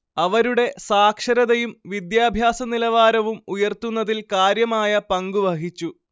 അവരുടെ സാക്ഷരതയും വിദ്യാഭ്യാസനിലവാരവും ഉയർത്തുന്നതിൽ കാര്യമായ പങ്കു വഹിച്ചു